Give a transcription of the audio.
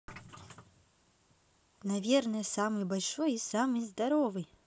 наверное самый большой и самый здоровый